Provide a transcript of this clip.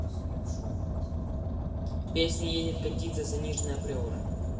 песня едет катится заниженная приора